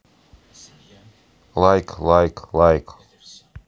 лайк лайк лайк